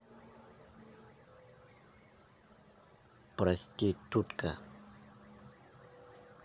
проститутка